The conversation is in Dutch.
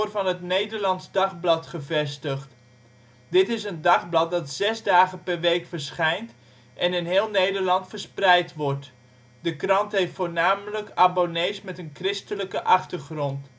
van het Nederlands Dagblad gevestigd. Dit is een dagblad dat 6 dagen per week verschijnt en in heel Nederland verspreid wordt. De krant heeft voornamelijk abonnees met een christelijke achtergrond